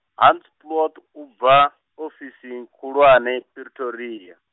Hans Poot u bva, ofisin- khulwane Pretoria.